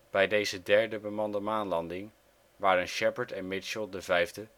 Bij deze derde bemande maanlanding waren Shepard en Mitchell de vijfde